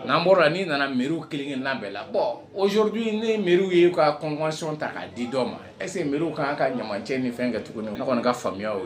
N'anmo la' nana miw kelen labɛn bɛɛ la bɔn ozurubi ne miw ye ka kɔn gansɔnɔn ta k'a didɔn ma ɛsew ka kan ka ɲama cɛ ni fɛn kɛ tugun ka kɔni ka faamuyaya ye